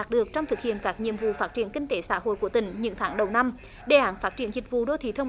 đạt được trong thực hiện các nhiệm vụ phát triển kinh tế xã hội của tỉnh những tháng đầu năm đề án phát triển dịch vụ đô thị thông